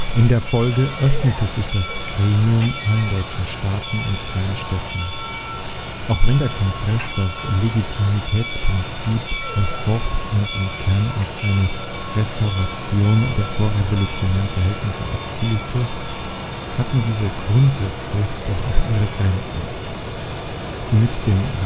In der Folge öffnete sich das Gremium allen deutschen Staaten und freien Städten. Auch wenn der Kongress das Legitimitätsprinzip verfocht und im Kern auf eine Restauration der vorrevolutionären Verhältnisse abzielte, hatten diese Grundsätze doch auch ihre Grenzen. Die mit dem Reichsdeputationshauptschluss